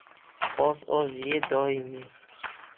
oz oz ye doim ye